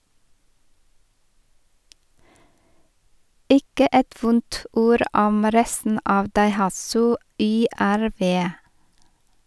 Ikke et vondt ord om resten av Daihatsu YRV.